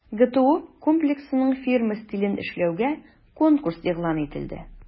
ГТО Комплексының фирма стилен эшләүгә конкурс игълан ителде.